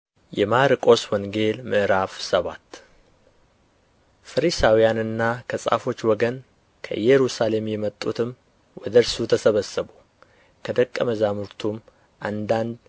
የማርቆስ ወንጌል ምዕራፍ ሰባት ፈሪሳውያንና ከጻፎች ወገን ከኢየሩሳሌም የመጡትም ወደ እርሱ ተሰበሰቡ ከደቀ መዛሙርቱም አንዳንድ